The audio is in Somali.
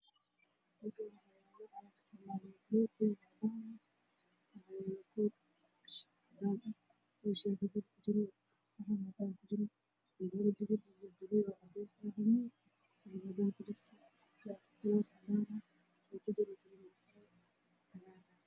Waa miis waxaa saaran saxan cadaan waxaa ku jira aan buulo waxa agyaalo koob shax ah